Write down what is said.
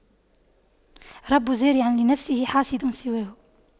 رب زارع لنفسه حاصد سواه